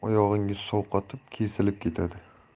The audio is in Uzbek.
uchun oyog'ingiz sovqotib kesilib ketadi